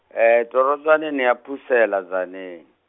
torotswaneng ya Phusela, Tzaneen.